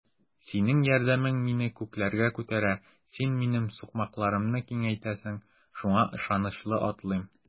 Синең ярдәмең мине күкләргә күтәрә, син минем сукмакларымны киңәйтәсең, шуңа ышанычлы атлыйм.